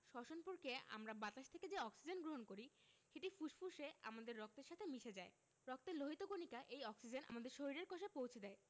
শ্বসন প্রক্রিয়ায় আমরা বাতাস থেকে যে অক্সিজেন গ্রহণ করি সেটি ফুসফুসে আমাদের রক্তের সাথে মিশে যায় রক্তের লোহিত কণিকা এই অক্সিজেন আমাদের শরীরের কোষে পৌছে দেয়